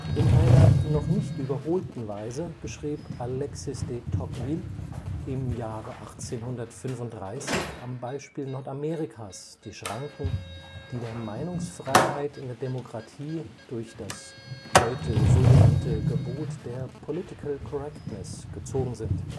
In einer noch nicht überholten Weise beschrieb Alexis de Tocqueville im Jahre 1835 am Beispiel Nordamerikas die Schranken, die der Meinungsfreiheit in der Demokratie durch das (heute so genannte) Gebot der „ political correctness “gezogen sind